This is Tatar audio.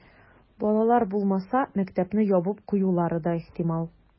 Балалар булмаса, мәктәпне ябып куюлары да ихтимал.